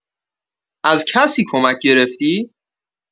از کسی کمک گرفتی؟